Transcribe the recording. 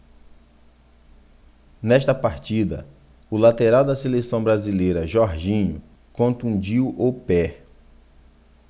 nesta partida o lateral da seleção brasileira jorginho contundiu o pé